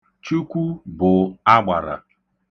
Chukwu bụ agbara.